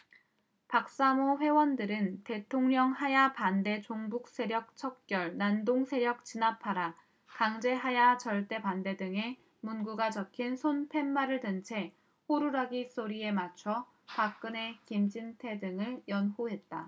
박사모 회원들은 대통령하야 반대 종북세력 척결 난동세력 진압하라 강제하야 절대반대 등의 문구가 적힌 손팻말을 든 채 호루라기 소리에 맞춰 박근혜 김진태 등을 연호했다